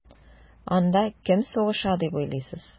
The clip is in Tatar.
Анда кем сугыша дип уйлыйсыз?